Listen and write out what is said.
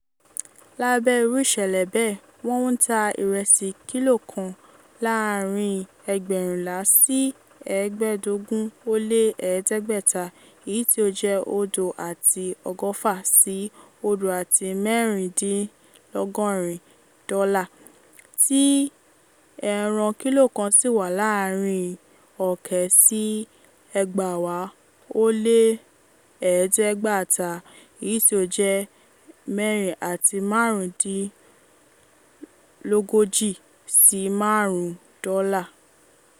Lábẹ́ irú ìṣẹ̀lẹ̀ bẹ́ẹ̀, wọ́n ń ta ìrẹ̀sì 1kg láàárin MGA 2,800 sí 3,500 (USD 0.60 to 0.76), tí 1 kg ẹran sì wà láàárin MGA 20,000 sí 23,000 ( USD 4.35 to 5).